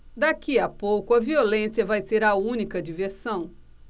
daqui a pouco a violência vai ser a única diversão